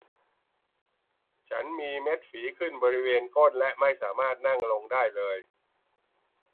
ฉันมีเม็ดฝีขึ้นบริเวณก้นและไม่สามารถนั่งลงได้เลย